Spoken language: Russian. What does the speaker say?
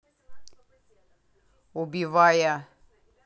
убивая